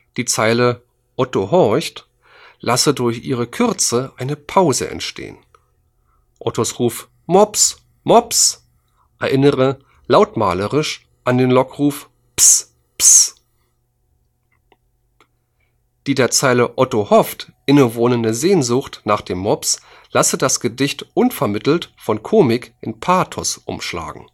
Die Zeile „ otto horcht “lasse durch ihre Kürze eine Pause entstehen. Ottos Ruf „ mops mops “erinnere lautmalerisch an den Lockruf „ ps ps “. Die der Zeile „ otto hofft “innewohnende Sehnsucht nach dem Mops lasse das Gedicht unvermittelt von Komik in Pathos umschlagen